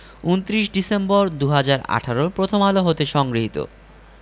২৯ December ২০১৮ Prothom Alo হতে সংগৃহীত